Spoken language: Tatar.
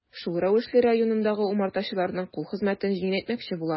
Шул рәвешле районындагы умартачыларның кул хезмәтен җиңеләйтмәкче була.